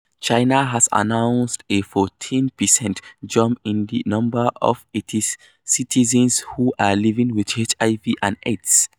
China has announced a 14% jump in the number of its citizens who are living with HIV and Aids.